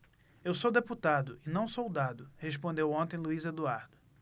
eu sou deputado e não soldado respondeu ontem luís eduardo